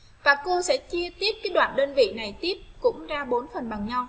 giải chi tiết các đơn vị này tiếp cũng ra phần bằng nhau